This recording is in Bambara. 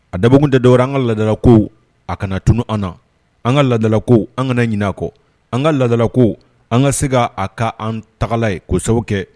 A dabɔkun tɛ dɔwɛrɛ ye an ka ladalako a kana tunun, a n'an ka ladala ko an kana ɲinɛ o kɔ, an ka ladala ko an ka se k'a k'an tagalan ye ko sabu kɛ